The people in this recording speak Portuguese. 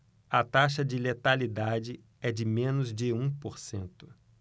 a taxa de letalidade é de menos de um por cento